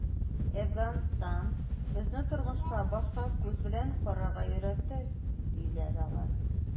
“әфганстан безне тормышка башка күз белән карарга өйрәтте”, - диләр алар.